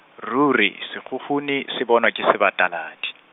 ruri, sekgukguni, se bonwa ke sebataladi.